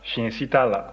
fiɲɛ si t'a la